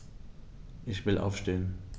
Ich will aufstehen.